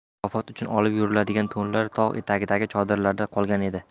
mukofot uchun olib yuriladigan to'nlar tog' etagidagi chodirlarda qolgan edi